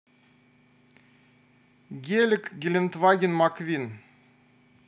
гелик гелентваген маквин